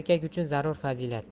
erkak uchun zarur fazilat